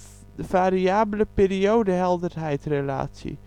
variabele periode-helderheid relatie